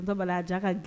Bali a